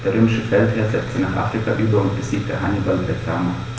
Der römische Feldherr setzte nach Afrika über und besiegte Hannibal bei Zama.